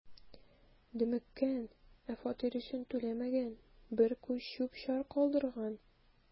„дөмеккән, ә фатир өчен түләмәгән, бер күч чүп-чар калдырган“.